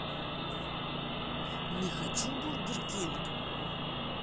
не хочу бургер кинг